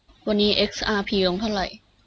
วันนี้เอ็กอาร์พีลงเท่าไหร่